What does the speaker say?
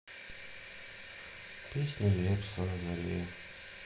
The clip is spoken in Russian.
песни лепса на заре